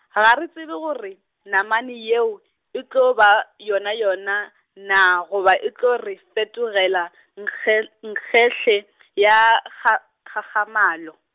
ga re tsebe gore, namane yeo, e tlo ba yonayona na goba e tlo re fetogela nkgel-, nkgele , ya kga-, kgakgamalo.